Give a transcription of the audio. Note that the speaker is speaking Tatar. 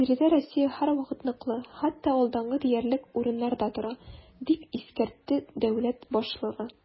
Биредә Россия һәрвакыт ныклы, хәтта алдынгы диярлек урыннарда тора, - дип искәртте дәүләт башлыгы.